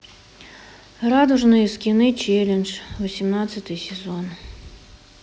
радужные скины челлендж восемнадцатый сезон